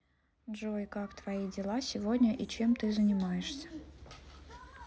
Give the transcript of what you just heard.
джой как твои дела сегодня и чем ты занимаешься